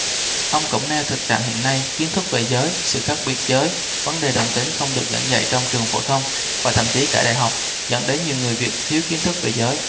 ông cũng nêu thực trạng hiện nay kiến thức về giới sự khác biệt giới vấn đề đồng tính không được giảng dạy trong trường phổ thông và thậm chí cả đại học dẫn đến nhiều người việt thiếu kiến thức về giới